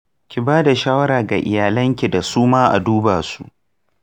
ki bada shawara ga iyalan ki da suma a dubasu.